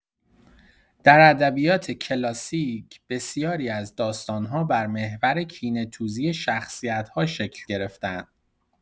در ادبیات کلاسیک، بسیاری از داستان‌ها بر محور کینه‌توزی شخصیت‌ها شکل گرفته‌اند.